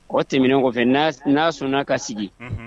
O tɛmɛnlen kɔfɛ n'a sɔnna ka sigi